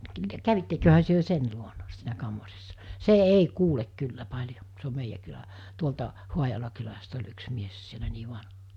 kävitteköhän te sen luona siinä kammarissa se ei kuule kyllä paljon se on meidän kylä tuolta Haajalan kylästä oli yksi mies siellä niin vanha